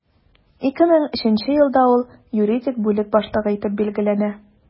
2003 елда ул юридик бүлек башлыгы итеп билгеләнә.